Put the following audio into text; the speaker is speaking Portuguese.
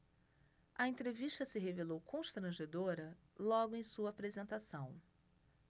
a entrevista se revelou constrangedora logo em sua apresentação